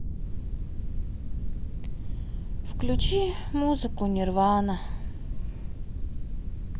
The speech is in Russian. включи музыку нирвана